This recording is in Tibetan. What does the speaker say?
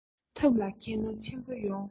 ཐབས ལ མཁས ན ཆེན པོ ཡང